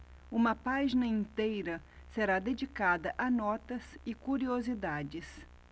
uma página inteira será dedicada a notas e curiosidades